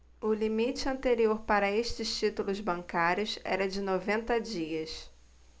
o limite anterior para estes títulos bancários era de noventa dias